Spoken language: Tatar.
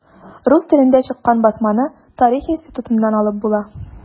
Рус телендә чыккан басманы Тарих институтыннан алып була.